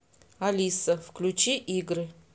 алиса включи игры